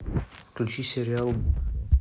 включи сериал бывшие